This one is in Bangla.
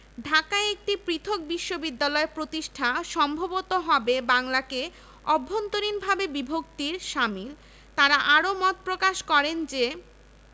ঢাকায় একটি পৃথক বিশ্ববিদ্যালয় প্রতিষ্ঠা সম্ভবত হবে বাংলাকে অভ্যন্তরীণভাবে বিভক্তির শামিল তাঁরা আরও মত প্রকাশ করেন যে